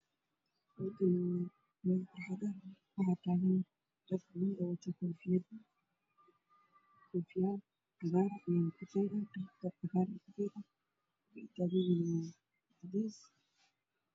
Halkaan waa meel barxad ah waxaa taagan rag wato koofiyaal cadaan iyo buluug, cagaar iyo buluug, dareskooda waa cadeys.